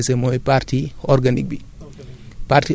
mais li ma ci gën a interessé mooy partie organique bi